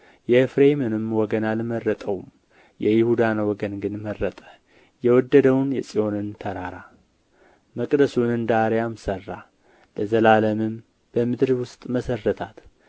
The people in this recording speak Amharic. የኤፍሬምንም ወገን አልመረጠውም የይሁዳን ወገን ግን መረጠ የወደደውን የጽዮንን ተራራ መቅደሱን እንደ አርያም ሠራ ለዘላለምም በምድር ውስጥ መሠረታት